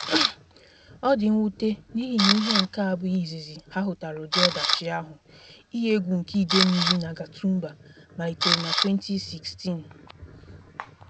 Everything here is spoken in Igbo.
Ọ dị mwute, n'ihi na nke a abụghị izizi ha hụtara ụdị ọdachi ahụ: iyi egwu nke ide mmiri na Gatumba malitere na 2016.